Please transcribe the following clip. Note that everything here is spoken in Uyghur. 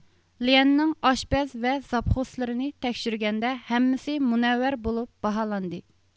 ليەننىڭ ئاشپەز ۋە زاپغوسلىرىنى تەكشۈرگەندە ھەممىسى مۇنەۋۋەر بولۇپ باھالاندى